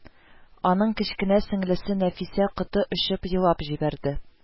Аның кечкенә сеңлесе Нәфисә коты очып елап җибәрде